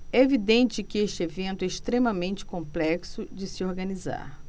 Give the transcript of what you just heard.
é evidente que este evento é extremamente complexo de se organizar